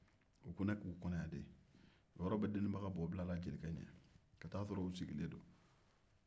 u ko ne ka o kɔnɔ yan de o yɔrɔ bɛɛ deninba ka bɔ bilala jelikɛ ɲɛ ka taa sɔrɔ u sigilen don